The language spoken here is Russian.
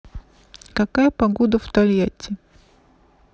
какая погода в тольятти